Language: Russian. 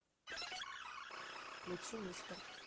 включи мистер